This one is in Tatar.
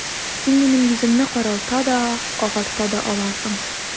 Син минем йөземне каралта да, агарта да аласың...